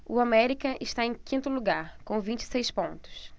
o américa está em quinto lugar com vinte e seis pontos